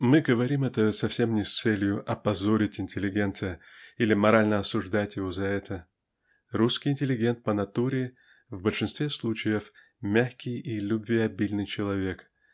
Мы говорим это совсем не с целью "опозорить" интеллигента или морально осуждать его за это. Русский интеллигент по натуре в большинстве случаев мягкий и любвеобильный человек